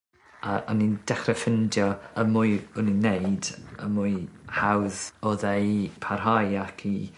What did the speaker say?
A o'n i'n dechre ffindio y mwy o'n i'n neud y mwy hawdd odd e i parhau ac i